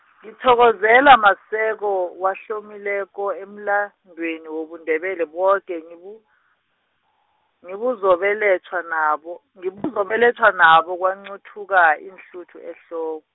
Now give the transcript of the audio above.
ngithokozela Maseko, wahlomileko emlandweni wobuNdebele boke, ngibu-, ngibuzobelethwa nabo, ngibuzobelethwa nabo kwanqothuka, iinhluthu ehlo-.